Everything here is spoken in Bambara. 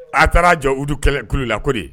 A taara jɔ udu kɛlɛkululi la kodi